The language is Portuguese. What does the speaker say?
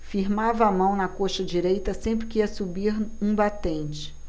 firmava a mão na coxa direita sempre que ia subir um batente